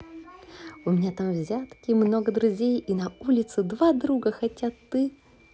у меня там взятки много друзей и на улицу два друга хотя ты